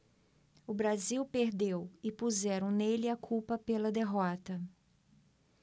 o brasil perdeu e puseram nele a culpa pela derrota